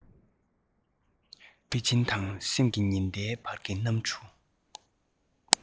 པེ ཅིན དང སེམས ཀྱི ཉི ཟླའི བར གྱི གནམ གྲུ